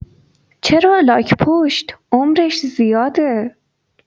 چرا لاک‌پشت عمرش زیاده؟